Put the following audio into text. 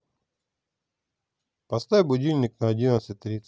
поставь будильник на одиннадцать тринадцать